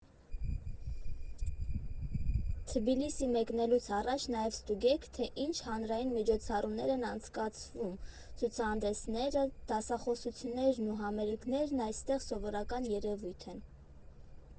Թբիլիսի մեկնելուց առաջ նաև ստուգեք, թե ինչ հանրային միջոցառումներ են անցկացվում՝ ցուցահանդեսները, դասախոսություններն ու համերգներն այստեղ սովորական երևույթ են։